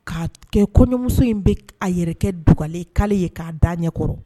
K kaa kɛ kɔɲɔmuso in bɛ a yɛrɛ duglen k'ale ye k'a da ɲɛ kɔrɔ